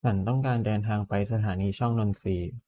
ฉันต้องการเดินทางไปสถานีช่องนนทรี